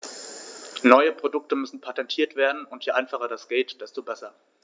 Neue Produkte müssen patentiert werden, und je einfacher das geht, desto besser.